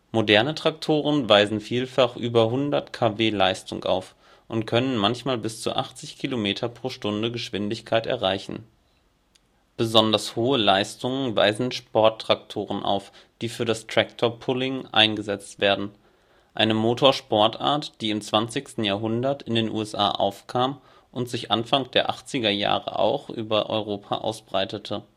Moderne Traktoren weisen vielfach über 100 kW Leistung auf und können manchmal bis zu 80 km/h Geschwindigkeit erreichen. Besonders hohe Leistungen weisen Sporttraktoren auf, die für das Tractor-Pulling eingesetzt werden, eine Motorsportart, die im 20. Jahrhundert in USA aufkam und sich Anfang der 80er Jahre auch über Europa ausbreitete. Beim Tractor